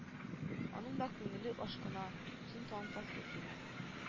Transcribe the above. Аның да күңеле ашкына үзен танытасы килә